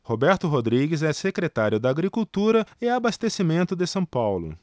roberto rodrigues é secretário da agricultura e abastecimento de são paulo